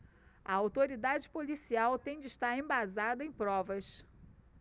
a autoridade policial tem de estar embasada em provas